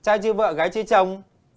trai chưa vợ gái chưa chồng